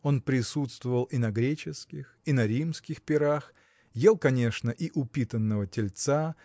Он присутствовал и на греческих и на римских пирах ел конечно и упитанного тельца